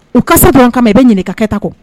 O kasa dɔrɔn kama i bɛ ɲininka ka kɛta kɔ